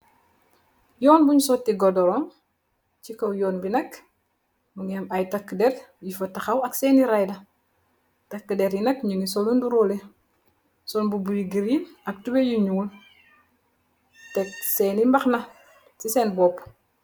Yoon bunj sooti godoro, ci kaw yoon bi nak, mingi am ay takeder, yu fa taxaaw ay seeni rida, takkeder yi nak mingi solu ndurole, sol mbubu yu giren ak tubay yu nyuul, teg seeni mbaxana si sen boppu.